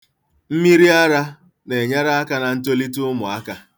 Mmiriara na-enyere aka na ntolite ụmụaka.